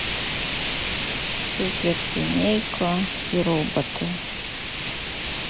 суперсемейка и роботы